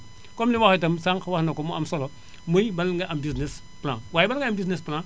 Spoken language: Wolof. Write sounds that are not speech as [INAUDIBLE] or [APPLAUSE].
[SMACKS LIPS] comme li ma wax itam sànq wax na ko mu am solo [INHALES] muy bala nga am business plan waaye bala ngay am business plan